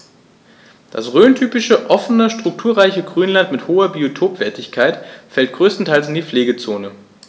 Das rhöntypische offene, strukturreiche Grünland mit hoher Biotopwertigkeit fällt größtenteils in die Pflegezone.